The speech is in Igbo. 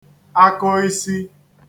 akaōisī